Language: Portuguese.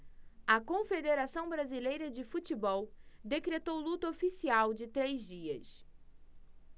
a confederação brasileira de futebol decretou luto oficial de três dias